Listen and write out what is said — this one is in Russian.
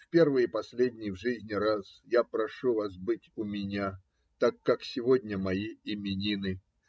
В первый и последний в жизни раз я прошу вас быть у меня, так как сегодня мои именины.